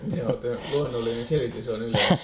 joo että luonnollinen selitys on yleensä